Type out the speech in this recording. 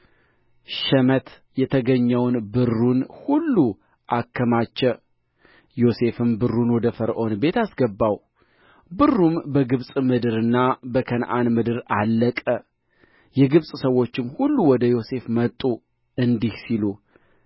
ሸመት የተገኘውን ብሩን ሁሉ አከማቸ ዮሴፍም ብሩን ወደ ፈርዖን ቤት አስገባው ብሩም በግብፅ ምድርና በከነዓን ምድር አለቀ የግብፅ ሰዎችም ሁሉ ወደ ዮሴፍ መጡ እንዲህ ሲሉ